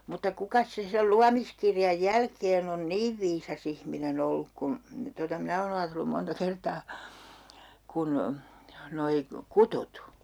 mutta kukas se sen luomiskirjan jälkeen on niin viisas ihminen ollut kuin tuota minä olen ajatellut monta kertaa kuin nuo kutut